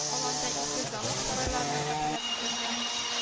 Аланда иске замок-сарайларны хәтерләткәнгән